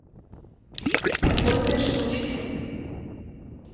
прикольные штучки